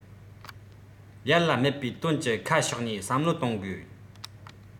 ཡར ལ སྨད པའི དོན གྱི ཁ ཕྱོགས ནས བསམ བློ གཏོང དགོས